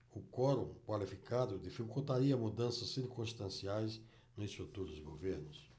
o quorum qualificado dificultaria mudanças circunstanciais nos futuros governos